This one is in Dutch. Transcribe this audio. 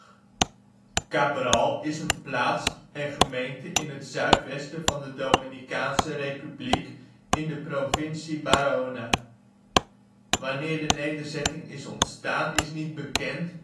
Cabral is een plaats en gemeente in het zuidwesten van de Dominicaanse Republiek, in de provincie Barahona. Wanneer de nederzetting is ontstaan is niet bekend